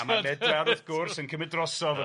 a ma' Medrawd wrth gwrs yn cymyd drosodd... 'Na fo...